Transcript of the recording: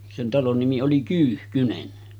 sen talon nimi oli Kyyhkynen